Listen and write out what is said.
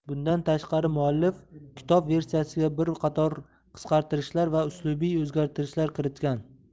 bundan tashqari muallif kitob versiyasiga bir qator qisqartirishlar va uslubiy o'zgartishlar kiritgan